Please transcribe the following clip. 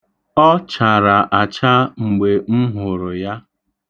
Ọ chara acha mgbe m hụrụ ya.